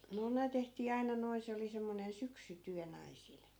no ne tehtiin aina noin se oli semmoinen syksytyö naisilla